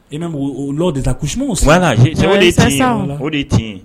I bɛ lalɔ de ta sɛ o de tiɲɛ ye